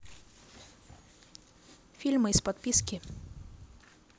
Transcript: фильмы из подписки